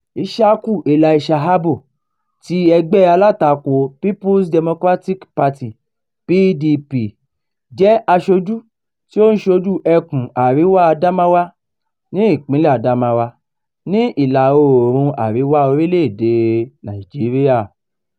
Ishaku Elisha Abbo ti ẹgbẹ́ alátakò People's Democratic Party (PDP) jẹ́ aṣojú tí ó ń ṣojú Ẹkùn-un Àríwá Adamawa ní Ìpínlẹ̀ Adamawa, ní ìlà-oòrùn àríwá orílẹ̀ èdèe Nàìjíríà.